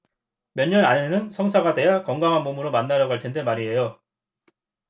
몇 년 안에는 성사가 돼야 건강한 몸으로 만나러 갈 텐데 말이에요